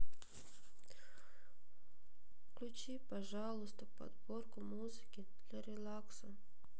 включи пожалуйста подборку музыки для релакса